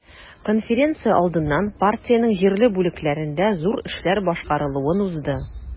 Конференция алдыннан партиянең җирле бүлекләрендә зур эшләр башкарылуын узды.